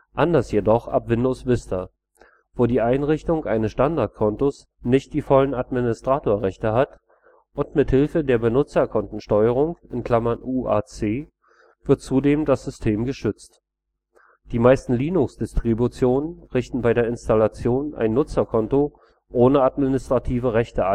Anders jedoch ab Windows Vista, wo die Einrichtung eines Standardkontos nicht die vollen Administratorrechte hat und mit Hilfe der Benutzerkontensteuerung (UAC) wird zudem das System geschützt. Die meisten Linux-Distributionen richten bei der Installation ein Nutzerkonto ohne administrative Rechte